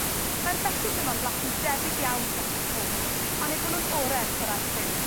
Mae'r betys yma'n blasu'n debyg iawn i fetys coch on' eu bo' nw'n oren o ran lliw.